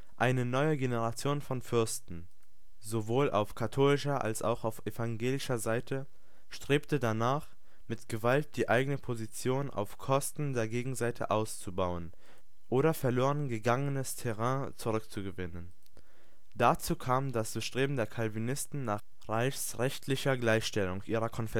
Eine neue Generation von Fürsten – sowohl auf katholischer als auch auf evangelischer Seite – strebte danach, mit Gewalt die eigene Position auf Kosten der Gegenseite auszubauen oder verloren gegangenes Terrain zurückzugewinnen. Dazu kam das Bestreben der Calvinisten nach reichsrechtlicher Gleichstellung ihrer Konfession